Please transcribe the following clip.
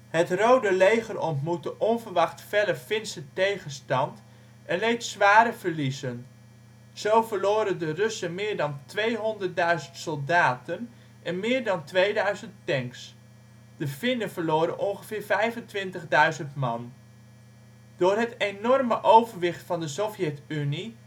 Het Rode Leger ontmoette onverwacht felle Finse tegenstand en leed zware verliezen. Zo verloren de Russen meer dan 200.000 soldaten en meer dan 2000 tanks. De Finnen verloren ongeveer 25.000 man. Door het enorme overwicht van de Sovjet-Unie